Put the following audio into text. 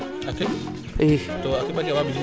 a keɓ to a keɓake awa ɓisiid pangol